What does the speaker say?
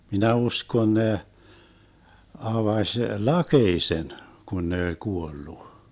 minä uskon ne avasi lakeisen kun ne oli kuollut